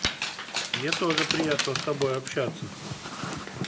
мне тоже приятно с тобой общаться